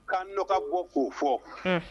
Ka nɔgɔ bɔ k'o fɔ